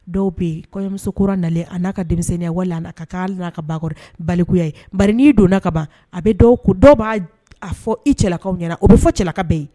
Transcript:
Dɔw bɛ yen kɔɲɔmusokura nalen a n'a ka denmisɛnninyawale ka'a la ka bakari balikuyari n' donna ka ban a bɛ dɔw ko dɔw b'a a fɔ i cɛlakaw ɲɛna o bɛ fɔ cɛla ka bɛ yen